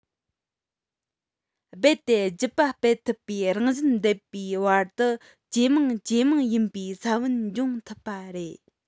རྦད དེ རྒྱུད པ སྤེལ ཐུབ པའི རང བཞིན ལྡན པའི བར དུ ཇེ མང ཇེ མང ཡིན པའི ས བོན འབྱུང ཐུབ པ རེད